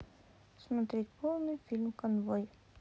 смотреть полный фильм конвой